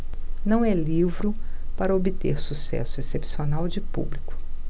não é livro para obter sucesso excepcional de público